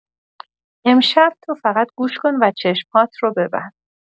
امشب تو فقط گوش کن و چشم‌هات رو ببند.